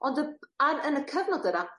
Ond y... Ar... Yn y cyfnod yna